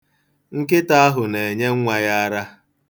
Nkịta ahụ na-enye nwa ya ara.